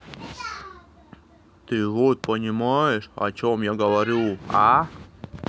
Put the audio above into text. ты вот понимаешь о чем я говорю а